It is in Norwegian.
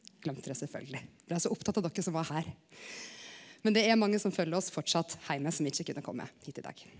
gløymde det sjølvsagt blei så opptatt av dokker som var her, men det er mange som følger oss framleis heime som ikkje kunne komme hit i dag.